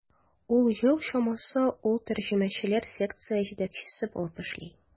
Ун ел чамасы ул тәрҗемәчеләр секциясе җитәкчесе булып эшли.